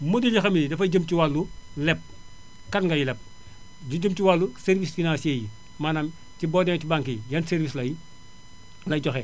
modules yoo xam ne nii dafay jëm ci wàllu leb kan ngay leb di jëm ci wàllu services financiers yi maanaam ci boo demee ci banque yi yenn saa service lay lay joxe